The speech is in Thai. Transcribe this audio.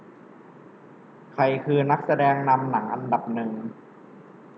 ใครคือนักแสดงนำหนังอันดับหนึ่ง